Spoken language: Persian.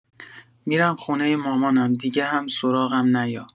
می‌رم خونه مامانم دیگه هم سراغم نیا